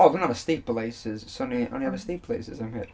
O, odd hwnna efo stabilisers so o'n i, o'n i ar y stabilisers am hir?